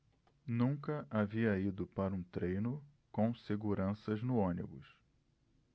nunca havia ido para um treino com seguranças no ônibus